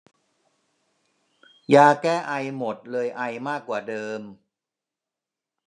ยาแก้ไอหมดเลยไอมากกว่าเดิม